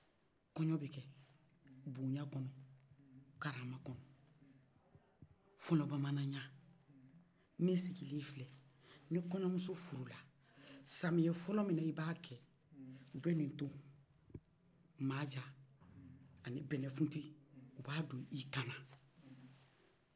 kɔɲɔn bɛ kɛ boɲan kɔnɔ karama kɔnɔ fɔlɔ bamananya n sigilen filɛ furu la samiya fɔlɔ min n'i ba kɛ o bɛnɛ ni dɔ bɛnɛfunti o ni manja o b'a do i kana